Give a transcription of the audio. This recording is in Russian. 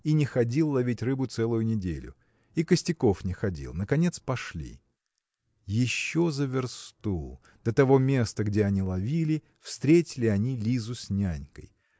и не ходил ловить рыбу целую неделю. И Костяков не ходил. Наконец пошли. Еще за версту до того места где они ловили встретили они Лизу с нянькой.